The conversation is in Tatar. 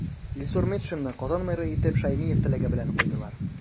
Илсур Метшинны Казан мэры итеп Шәймиев теләге белән куйдылар.